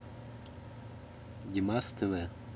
димас тв